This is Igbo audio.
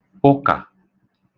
ụkà